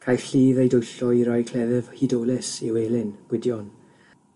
caiff Lludd ei dwyllo i roi cleddyf hudolus i'w elyn Gwydion